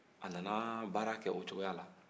a nana baara kɛ o cogoya la